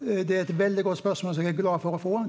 det er eit veldig godt spørsmål som eg er glad for å få.